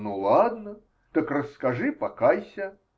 Ну, ладно, так расскажи, покайся!